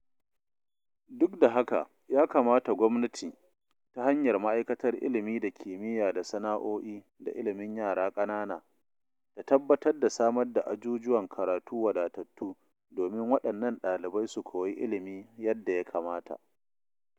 Duk da haka, ya kamata Gwamnati, ta hanyar Ma’aikatar Ilimi da Kimiyya da Sana’o’i da Ilimin Yara Ƙanana, ta tabbatar da samar da ajujuwan karatu wadatattu domin waɗannan ɗalibai su koyi ilimi yadda ya kamata.